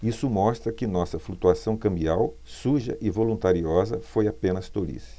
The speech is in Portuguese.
isso mostra que nossa flutuação cambial suja e voluntariosa foi apenas tolice